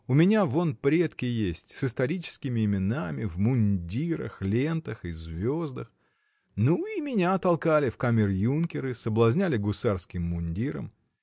У меня вон предки есть: с историческими именами, в мундирах, лентах и звездах: ну, и меня толкали в камер-юнкеры, соблазняли гусарским мундиром.